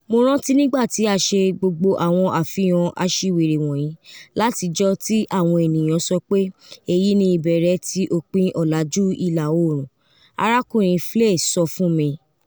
"Mo ranti nigba ti a ṣe gbogbo awọn afihan aṣiwere wọnyi latijọ ti awọn eniyan sọ pe,"Eyi ni ibẹrẹ ti opin ọlaju ila oorun, "" Arakunrin Fleiss sọ fun mi.